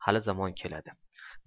halizamon keladi